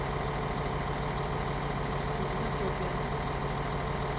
динотопия